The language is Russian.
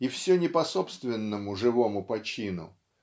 и все не по собственному живому почину.